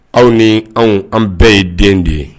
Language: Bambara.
Aw ni anw an bɛɛ ye den de ye.